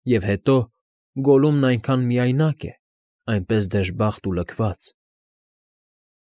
Եվ հետո, Գոլլումն այնքան միայնակ է, այնպես դժբախտ ու լքված։